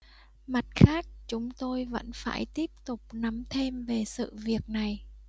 mặt khác chúng tôi vẫn phải tiếp tục nắm thêm về sự việc này